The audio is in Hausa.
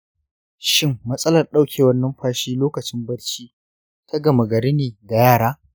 shin matsalar daukewar numfashi lokacin barci ta gama gari ne ga yara?